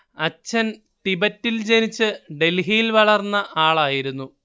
അച്ഛൻ തിബറ്റിൽ ജനിച്ച് ഡൽഹിയിൽ വളർന്ന ആളായിരുന്നു